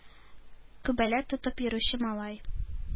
Күбәләк тотып йөрүче малай